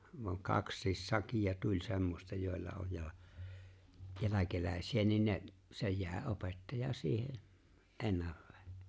vaan kaksikin sakkia tuli semmoista joilla oli ja jälkeläisiä niin ne se jäi opettaja siihen ennalleen